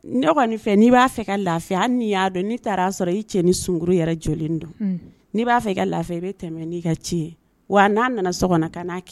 Ne kɔni fɛ' n'i b'a fɛ ka lafiyan hali n'i y'a dɔn n'i taara'a sɔrɔ i cɛ ni sunkuru yɛrɛ jɔlen dɔn n'i b'a fɛ ka lafiya i bɛ tɛmɛ n'i ka ci ye wa n'a nana so kɔnɔ kan'a kɛlɛ.